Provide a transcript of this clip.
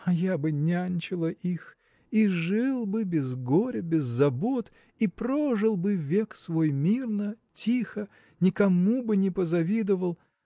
а я бы нянчила их – и жил бы без горя без забот и прожил бы век свой мирно тихо никому бы не позавидовал